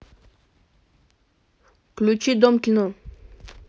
включи дом кино